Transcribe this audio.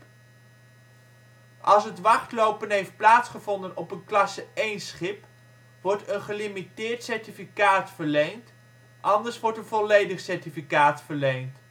Als het wachtlopen heeft plaatsgevonden op een klasse 1-schip wordt een gelimiteerd certificaat verleend, anders wordt een volledig certificaat verleend